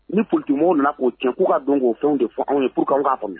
Ni politique mɔgɔw nana k'o tiɲɛ, f'u ka don k'o fɛnw de ɲɛf'anw ye pour que anw ka faamuya.